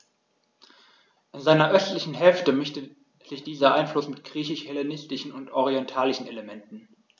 In seiner östlichen Hälfte mischte sich dieser Einfluss mit griechisch-hellenistischen und orientalischen Elementen.